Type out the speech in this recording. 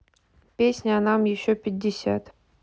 песня а нам еще пятьдесят